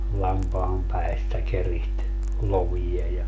lampaan päistä keritsi lovia ja